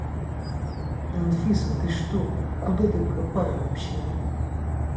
анфиса ты что куда ты пропала вообще